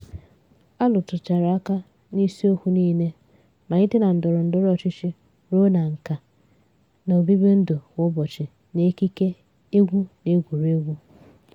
A rụtụchara aka n'isiokwu niile malite na ndọrọ ndọrọ ọchịchị ruo na nka, na obibindụ kwa ụbọchị na ekike, egwu na egwuregwu.